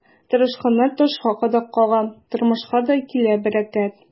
Тырышканнар ташка кадак кага, тормышка да килә бәрәкәт.